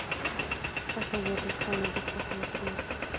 посоветуй что нибудь посмотреть